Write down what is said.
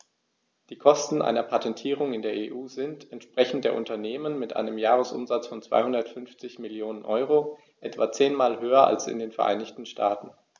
Die Kosten einer Patentierung in der EU sind, entsprechend der Unternehmen mit einem Jahresumsatz von 250 Mio. EUR, etwa zehnmal höher als in den Vereinigten Staaten.